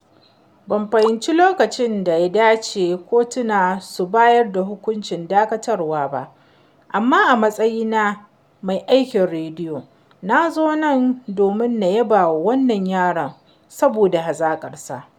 “Ban fahimci lokacin da ya dace kotuna su bayar da hukuncin dakatarwa ba, amma a matsayin mai aikin rediyo, nazo nan domin na yabawa wannan yaron saboda hazaƙarsa.”